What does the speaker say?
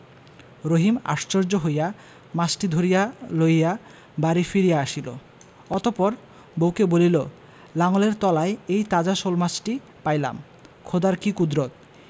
রহিম আশ্চর্য হইয়া মাছটি ধরিয়া লইয়া বাড়ি ফিরিয়া আসিল অতঃপর বউকে বলিল লাঙলের তলায় এই তাজা শোলমাছটি পাইলাম খোদার কি কুদরত